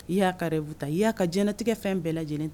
I y'a ka bɛ ta i y'a ka jɛnɛtigɛ fɛn bɛɛ lajɛlen